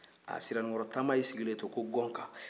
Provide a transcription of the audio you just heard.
haa siranikɔrɔ tanba y'i sigilento ko ''gɔnga''